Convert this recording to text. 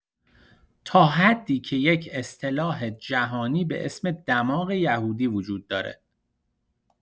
تا حدی که یک اصطلاح جهانی به اسم دماغ یهودی وجود داره.